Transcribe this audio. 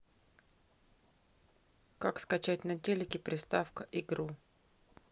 как скачать на телеке приставка игру